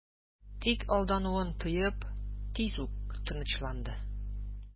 Тик алдануын тоеп, тиз үк тынычланды...